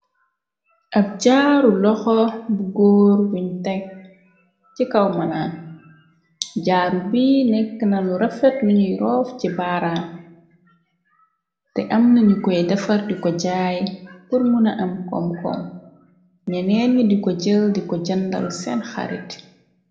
Ab jaaru loxo bu góor wiñ tekk ci kawmalaan jaaru bi nekk na lu rafet luñuy roof ci baaraan te am nañu koy defar di ko jaay pur muna am koom koom ñeneer ñu di ko jël di ko jëndal seen xarit.